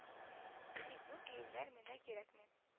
Тик бу киемнәр миңа кирәкми